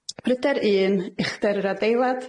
Pryder un, uchder yr adeilad.